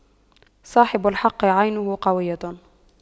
صاحب الحق عينه قوية